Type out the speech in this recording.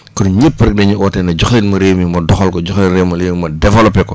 kon ñëpp rek dañuy oote ne jox leen ma réew mi ma doxal ko jox leen réew mi ma développé ko